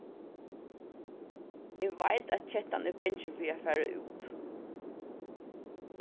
eg veit at kettan er bangin fyri at fara út